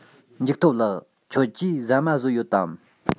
འཇིགས སྟོབས ལགས ཁྱོད ཀྱིས ཟ མ ཟོས ཡོད དམ